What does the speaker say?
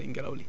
brise vent